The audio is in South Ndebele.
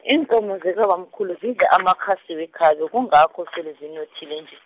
iinkomo zikabamkhulu zidla amakhasi wekhabe, kungakho sele zinothile nje.